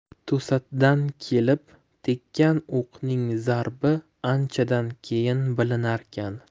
to'satdan kelib tekkan o'qning zarbi anchadan keyin bilinarkan